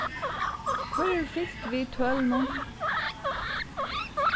hvør hevur fylgt við tølunum